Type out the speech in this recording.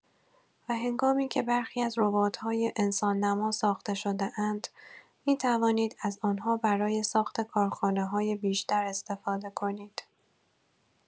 و هنگامی‌که برخی از ربات‌های انسان‌نما ساخته شده‌اند، می‌توانید از آنها برای ساخت کارخانه‌های بیشتر استفاده کنید.